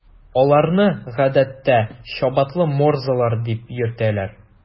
Аларны, гадәттә, “чабаталы морзалар” дип йөртәләр.